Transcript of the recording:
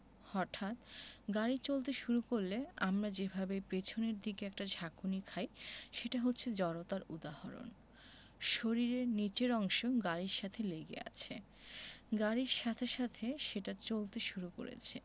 হঠাৎ গাড়ি চলতে শুরু করলে আমরা যেভাবে পেছনের দিকে একটা ঝাঁকুনি খাই সেটা হচ্ছে জড়তার উদাহরণ শরীরের নিচের অংশ গাড়ির সাথে লেগে আছে গাড়ির সাথে সাথে সেটা চলতে শুরু করেছে